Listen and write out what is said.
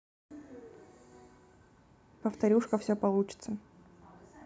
повторюшка все получится